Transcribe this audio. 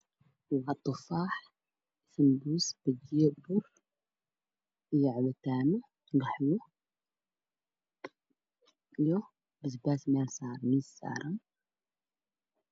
Waxaa ii muuqda rooti saddex tufax ah biyo faanta ah tarmuus shax ah waxayna saaranyihii miis